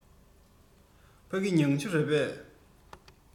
ཕ གི མྱང ཆུ རེད པས